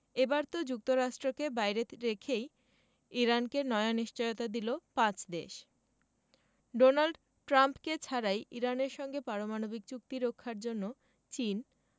এবার তো যুক্তরাষ্ট্রকে বাইরে রেখেই ইরানকে নয়া নিশ্চয়তা দিল পাঁচ দেশ ডোনাল্ড ট্রাম্পকে ছাড়াই ইরানের সঙ্গে পারমাণবিক চুক্তি রক্ষার জন্য চীন